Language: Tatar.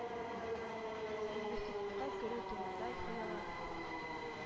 Университетка керү турында хыяллана.